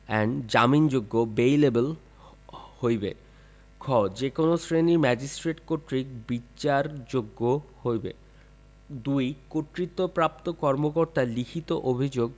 এবং জামিনযোগ্য বেইলএবল হইবে খ যে কোন শ্রেণীর ম্যাজিস্ট্রেট কর্তৃক বিচারযোগ্য হইবে ২ কর্তৃত্বপ্রাপ্ত কর্মকর্তার লিখিত অভিযোগ